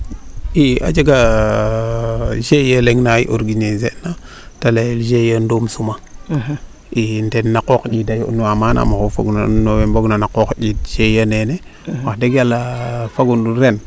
i a jega GIE leŋ na i organiser na te leyel GIE Ndomsuma i ten na qooq njind a yond nuwa maana no we fog na na qooq njiind GIE neene wax deg yala gagum ren